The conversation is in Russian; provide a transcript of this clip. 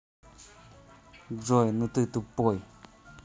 джой ну ты тупой